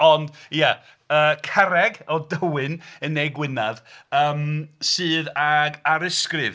Ond, ie yy carreg o Dywyn yn Ne Gwynedd yym sydd ag arysgrif